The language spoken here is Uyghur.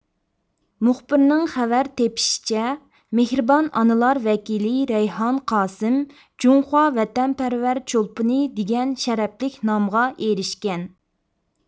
مۇخبىرنىڭ خەۋەر تېپىشىچە مېھرىبان ئانىلار ۋەكىلى رەيھان قاسىم جۇڭخۇا ۋەتەنپەرۋەر چولپىنى دېگەن شەرەپلىك نامغا ئېرىشكەن